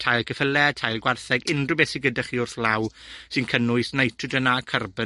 tail ceffyle, tail gwartheg, unryw beth sy gyda chi wrth law, sy'n cynnwys nitrogen a carbon